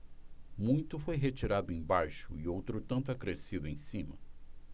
muito foi retirado embaixo e outro tanto acrescido em cima